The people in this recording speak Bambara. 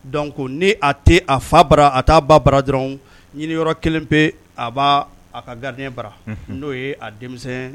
Don ko ne a tɛ a fa bara a t' ba bara dɔrɔn ɲini yɔrɔ kelen bɛ a b' a ka garinen bara n'o ye a denmisɛn